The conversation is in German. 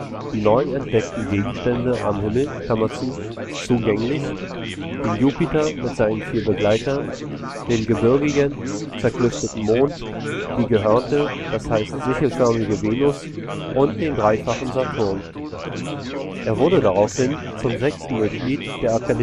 die neu entdeckten Gegenstände am Himmel) zugänglich: den Jupiter mit seinen vier Begleitern, den gebirgigen, zerklüfteten Mond, die „ gehörnte “, d. h. sichelförmige Venus und den „ dreifachen “Saturn. Er wurde daraufhin zum sechsten Mitglied der Accademia dei Lincei